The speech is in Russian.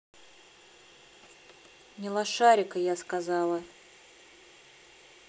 не лошарика я сказала